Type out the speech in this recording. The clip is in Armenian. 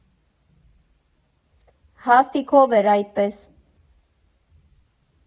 Հաստիքով էր այդպես։